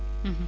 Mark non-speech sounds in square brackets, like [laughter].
[hesitation] [hesitation]